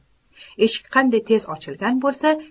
eshik qanday tez ochilgan bo'lsa